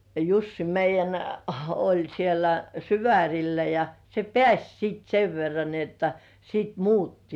ja Jussi meidän oli siellä Syvärillä ja se pääsi sitten sen verran niin jotta sitten muutti